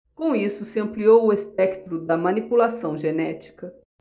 com isso se ampliou o espectro da manipulação genética